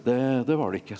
det det var det ikke.